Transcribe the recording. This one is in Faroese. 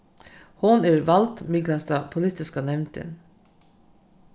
hon er valdmiklasta politiska nevndin